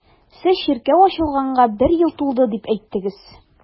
Сез чиркәү ачылганга бер ел тулды дип әйттегез.